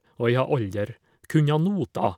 Og jeg har aldri kunnet noter.